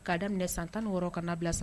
K'a daminɛ minɛ san tannikɔrɔ kana'a bila san